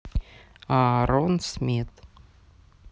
аарон смит